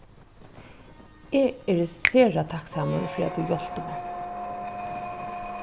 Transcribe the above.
eg eri sera takksamur fyri at tú hjálpti mær